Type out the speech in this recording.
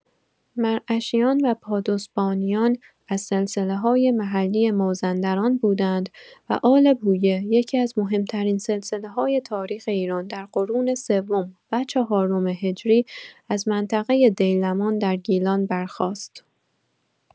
مرعشیان و پادوسبانیان از سلسله‌های محلی مازندران بودند و آل‌بویه، یکی‌از مهم‌ترین سلسله‌های تاریخ ایران در قرون سوم و چهارم هجری، از منطقه دیلمان در گیلان برخاست.